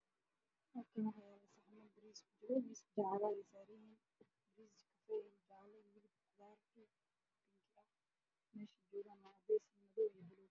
Meeshaan waxaa yaalo miis midabkiisu yahay cagaar waxaa dul saaran saxmo ay ku jiraan bariis khudaar leh